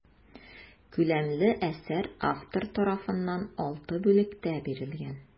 Күләмле әсәр автор тарафыннан алты бүлектә бирелгән.